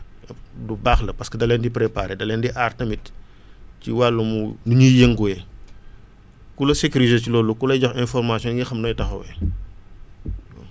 lu baax la parce que da leen di préparer da leen di aar tamit ci wàllum ni muy yënguwee ku la sécuriser loolu ku lay jox information yi nga xam nooy taxawee